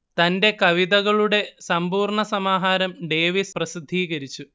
തന്റെ കവിതകളുടെ സമ്പൂർണ സമാഹാരം ഡേവീസ് പ്രസിദ്ധീകരിച്ചു